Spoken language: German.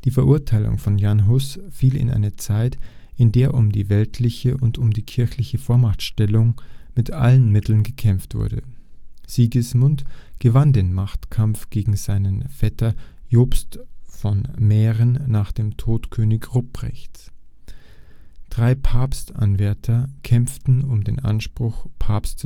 Verurteilung von Jan Hus fiel in eine Zeit, in der um die weltliche und um die kirchliche Vormachtstellung mit allen Mitteln gekämpft wurde. Sigismund gewann den Machtkampf gegen seinen Vetter Jobst von Mähren nach dem Tod König Ruprechts. Drei Papstanwärter kämpften um den Anspruch, Papst